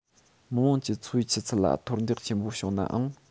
མི དམངས ཀྱི འཚོ བའི ཆུ ཚད ལ མཐོར འདེགས ཆེན པོ བྱུང ནའང